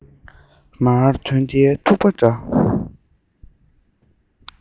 མར ཐོན ཏེ ཐུག པ འདྲ